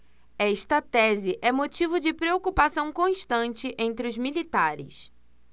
esta tese é motivo de preocupação constante entre os militares